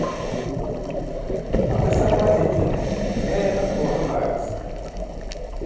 а ты соблазнительный мне это тоже нравится